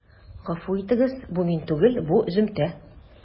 Гафу итегез, бу мин түгел, бу өземтә.